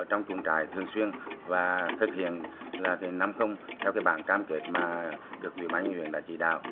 ở trong chuồng trại thường xuyên và thực hiện là năm không theo cái bản cam kết mà được ủy ban huyện đã chỉ đạo